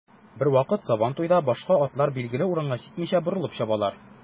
Бервакыт сабантуйда башка атлар билгеле урынга җитмичә, борылып чабалар.